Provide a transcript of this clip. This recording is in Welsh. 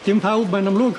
Dim pawb mae'n amlwg.